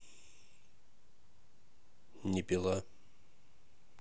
не пила